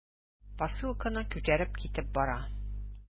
Посылканы күтәреп китеп бара.